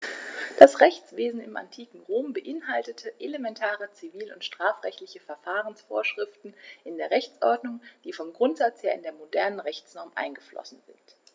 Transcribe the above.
Das Rechtswesen im antiken Rom beinhaltete elementare zivil- und strafrechtliche Verfahrensvorschriften in der Rechtsordnung, die vom Grundsatz her in die modernen Rechtsnormen eingeflossen sind.